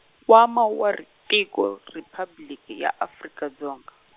Nkwama wa ri Tiko Riphabliki ya Afrika Dzonga.